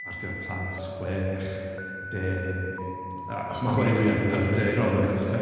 ar gyf' plant, chwech, deg a... on'd o's e?